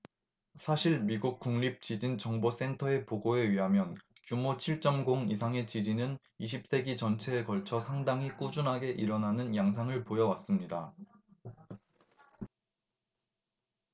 사실 미국 국립 지진 정보 센터의 보고에 의하면 규모 칠 쩜 공 이상의 지진은 이십 세기 전체에 걸쳐 상당히 꾸준하게 일어나는 양상을 보여 왔습니다